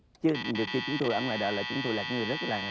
chứ nhiều khi chúng tôi ở ngoài đời là chúng tôi là người rất là